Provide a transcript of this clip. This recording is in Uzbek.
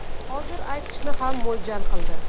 hozir aytishni ham mo'ljal qildi